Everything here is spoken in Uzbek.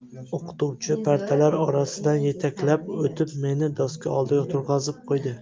o'qituvchi partalar orasidan yetaklab o'tib meni doska oldiga turg'azib qo'ydi